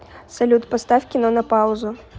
салют поставь кино на паузу